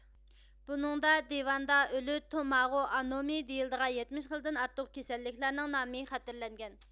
بۇنىڭدا دىۋان دا ئۆلۈت توماغۇ ئانومى دېيىلىدىغان يەتمىش خىلدىن ئارتۇق كېسەللىكلەرنىڭ نامى خاتىرىلەنگەن